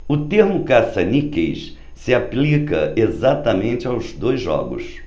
o termo caça-níqueis se aplica exatamente aos dois jogos